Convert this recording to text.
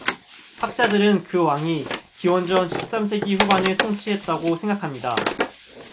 학자들은 그 왕이 기원전 십 삼 세기 후반에 통치했다고 생각합니다